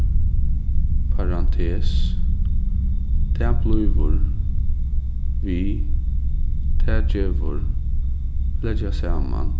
parantes tað blívur við tað gevur leggja saman